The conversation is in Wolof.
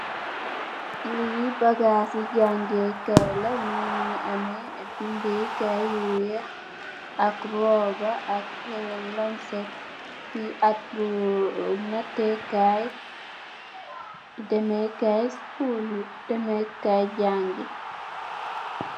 Li bagassi jànge kai la mongi ame binde kai yi weex ak roba ak lamset fi arr ak nate kai deme kai school yi deme kai jange.